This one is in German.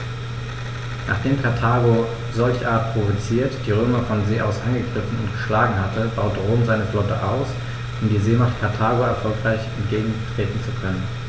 Nachdem Karthago, solcherart provoziert, die Römer von See aus angegriffen und geschlagen hatte, baute Rom seine Flotte aus, um der Seemacht Karthago erfolgreich entgegentreten zu können.